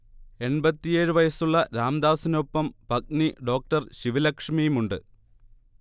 എൺപത്തിയേഴ് വയസ്സുളള രാംദാസിനൊപ്പം പത്നി ഡോ. ശിവ ലക്ഷ്മിയുമുണ്ട്